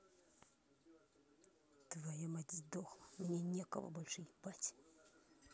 твоя мать сдохла мне некого больше ебать